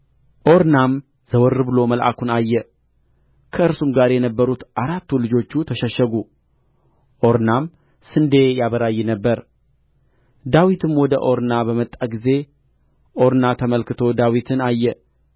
ኦርናም ዘወር ብሎ መልአኩን አየ ከእርሱም ጋር የነበሩ አራቱ ልጆቹ ተሸሸጉ ኦርናም ስንዴ ያበራይ ነበር ዳዊትም ወደ ኦርና በመጣ ጊዜ ኦርና ተመልክቶ ዳዊትን አየ